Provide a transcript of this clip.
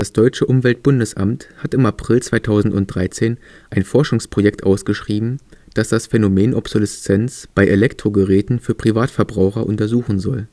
deutsche Umweltbundesamt hat im April 2013 ein Forschungsprojekt ausgeschrieben, das das „ Phänomen Obsoleszenz “bei Elektrogeräten für Privatverbraucher untersuchen soll